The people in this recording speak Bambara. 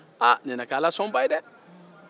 aa nin na kɛ alasɔnba ye dɛ